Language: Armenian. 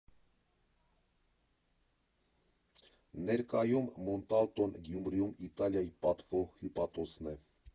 Ներկայում Մոնտալտոն Գյումրիում Իտալիայի պատվո հյուպատոսն է։